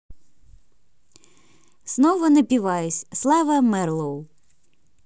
снова напиваюсь slava marlow